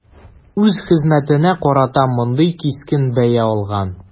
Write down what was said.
Үз хезмәтенә карата мондый кискен бәя алган.